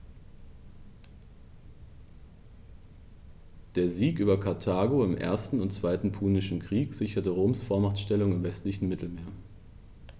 Der Sieg über Karthago im 1. und 2. Punischen Krieg sicherte Roms Vormachtstellung im westlichen Mittelmeer.